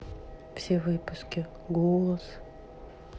все выпуски голос